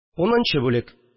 Унынчы бүлек